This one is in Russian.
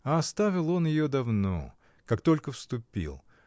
А оставил он ее давно, как только вступил.